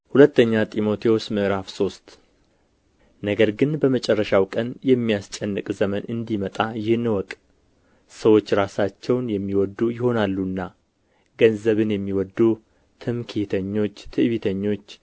ሁለተኛ ጢሞቴዎስ ምዕራፍ ሶስት ነገር ግን በመጨረሻው ቀን የሚያስጨንቅ ዘመን እንዲመጣ ይህን እወቅ ሰዎች ራሳቸውን የሚወዱ ይሆናሉና ገንዘብን የሚወዱ ትምክህተኞች ትዕቢተኞች